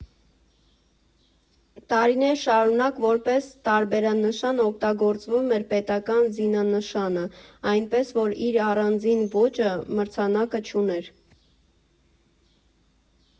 Տարիներ շարունակ որպես տարբերանշան օգտագործվում էր պետական զինանշանը, այնպես որ՝ իր առանձին ոճը մրցանակը չուներ։